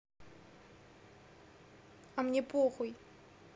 а мне похуй